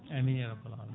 amine ya rabal alamina